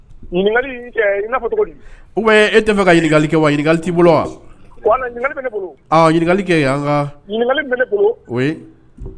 Ɲininkalii ɛɛ in'a fɔ cogo di ou bien ee te fɛ ka ɲininkali kɛ wa ɲininkali t'i bolo wa voilà ɲininkali b'i ne bolo ɔɔ ɲininkali kɛ kɛ an kaa ɲininkali min b'i ne bolo oui